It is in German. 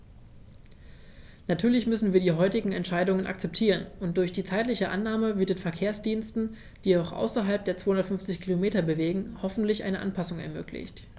Natürlich müssen wir die heutige Entscheidung akzeptieren, und durch die zeitliche Ausnahme wird den Verkehrsdiensten, die sich außerhalb der 250 Kilometer bewegen, hoffentlich eine Anpassung ermöglicht.